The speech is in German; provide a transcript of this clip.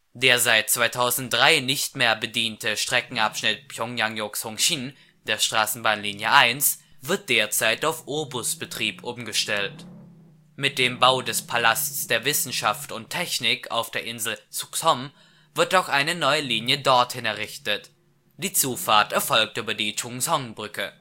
Der seit 2003 nicht mehr bediente Streckenabschnitt P'yŏngyang-yŏk – Songsin der Straßenbahnlinie 1 wird derzeit auf O-Bus Betrieb umgestellt. Mit dem Bau des Palast der Wissenschaft und Technik auf der Insel Ssuk-sŏm wird auch eine neue Linie dorthin errichtet, die Zufahrt erfolgt über die Chungsong-Brücke